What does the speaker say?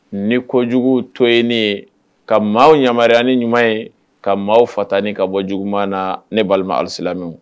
Ni kojugu toyenini ye, ka maaw yamaruya ni ɲuman kɛli ye, ka maaw fatani ka bɔ juguuma na, ne balima alisilaamɛw.